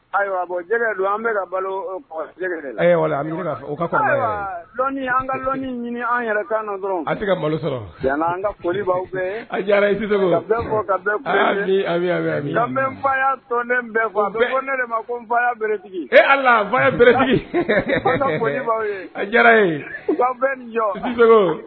Ayiwa jɛgɛ don an bɛka ka balo an ka dɔn ɲini an yɛrɛ dɔrɔn an tɛ ka malo sɔrɔ ne ma ko beretigi ee ala beretigi a ye ni jɔ